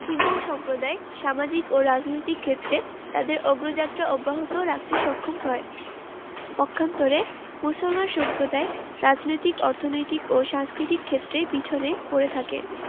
হিন্দু সম্প্রদায় সামাজিক ও রাজনৈতিক ক্ষেত্রে তাদের অগ্রযাত্রা অব্যাহত রাখতে সক্ষম হয় পক্ষান্তরে মুসলিম সম্প্রদায় রাজনৈতিক অর্থনৈতিক ও সাংস্কৃতিক ক্ষেত্রে পেছনে পড়ে থাকে